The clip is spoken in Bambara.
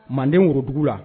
Manden worodugu la